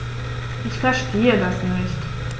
Ich verstehe das nicht.